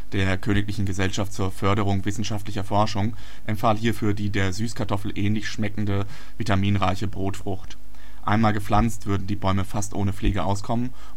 der Königlichen Gesellschaft zur Förderung wissenschaftlicher Forschung, empfahl hierfür die der Süßkartoffel ähnlich schmeckende vitaminreiche Brotfrucht. Einmal gepflanzt würden die Bäume fast ohne Pflege auskommen